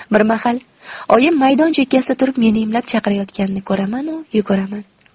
bir mahal oyim maydon chekkasida turib meni imlab chaqirayotganini ko'ramanu yuguraman